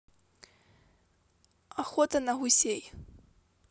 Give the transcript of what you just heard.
охота на гусей